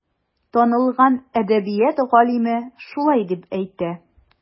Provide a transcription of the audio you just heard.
Танылган әдәбият галиме шулай дип әйтә.